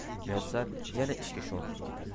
muyassar yana ishga sho'ng'ib ketadi